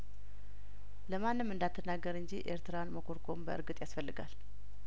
ለማንም እንዳትናገር እንጂ ኤርትራን መኮርኮም በእርግጥ ያስፈልጋል